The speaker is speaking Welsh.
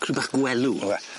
Crw Bach Gwelw? 'Na fe.